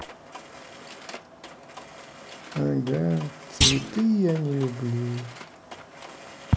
ага цветы я не люблю